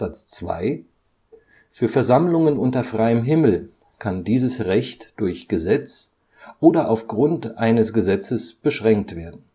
2) Für Versammlungen unter freiem Himmel kann dieses Recht durch Gesetz oder auf Grund eines Gesetzes beschränkt werden